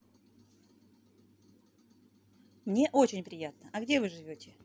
мне очень приятно а где вы живете